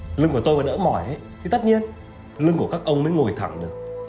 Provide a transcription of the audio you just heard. lưng của tôi mà đỡ mỏi ấy thì tất nhiên lưng của các ông mới ngồi thẳng được